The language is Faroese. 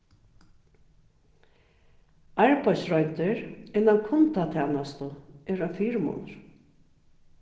arbeiðsroyndir innan kundatænastu er ein fyrimunur